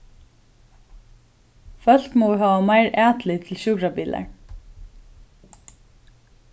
fólk mugu hava meir atlit til sjúkrabilar